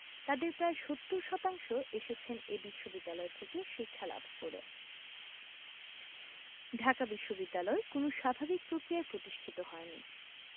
তাঁদের প্রায় ৭০ শতাংশ এসেছেন এ বিশ্ববিদ্যালয় থেকে শিক্ষালাভ করে ঢাকা বিশ্ববিদ্যালয় কোনো স্বাভাবিক প্রক্রিয়ায় প্রতিষ্ঠিত হয়নি